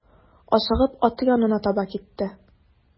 Ашыгып аты янына таба китте.